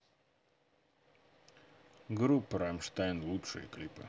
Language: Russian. группа раммштайн лучшие клипы